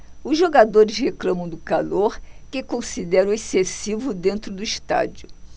os jogadores reclamam do calor que consideram excessivo dentro do estádio